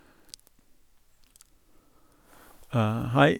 Hei.